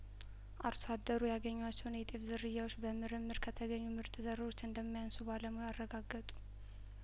አርሶ አደሩ ያገኙአቸውን የጤፍ ዝርያዎች በምርምር ከተገኙምርጥ ዘሮች እንደማ ያንሱ ባለሙያአረጋገጡ